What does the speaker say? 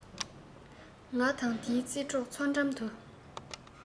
ང དང དའི རྩེ གྲོགས འཚོ གྲམ དུ